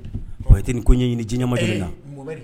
Bate tɛ ni ko ɲɛ ɲini jinɛma de na